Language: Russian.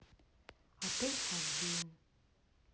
отель хазбин